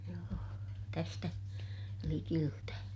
joo tästä likeltä